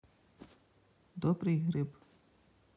добрый гриб